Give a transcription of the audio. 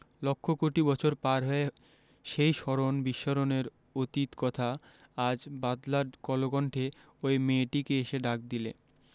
লক্ষ কোটি বছর পার হয়ে সেই স্মরণ বিস্মরণের অতীত কথা আজ বাদলার কলকণ্ঠে ঐ মেয়েটিকে এসে ডাক দিলে